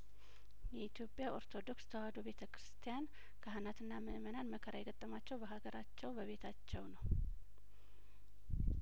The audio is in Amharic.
የኢትዮጵያ ኦርቶዶክስ ተዋህዶ ቤተ ክርስቲያን ካህናትና ምእመናን መከራ የገጠማቸው በሀገራቸው በቤታቸው ነው